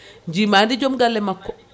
jiimadi joom galle makko